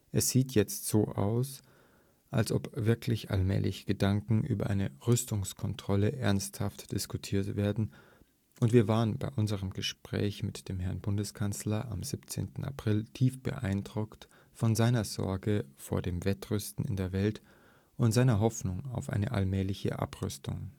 Es sieht jetzt so aus, als ob wirklich allmählich Gedanken über eine Rüstungskontrolle ernsthaft diskutiert werden, und wir waren bei unserem Gespräch mit dem Herrn Bundeskanzler am 17. April tief beeindruckt von seiner Sorge vor dem Wettrüsten in der Welt und seiner Hoffnung auf eine allmähliche Abrüstung